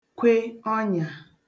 kwe ọnyà